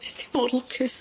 Fuest ti mor lwcus.